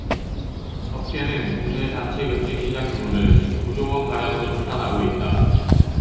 업계는 국내 단체급식 시장 규모를 십 구 조원가량으로 추산하고 있다